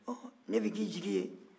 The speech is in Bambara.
ɔ ne bɛ k'i jigi ye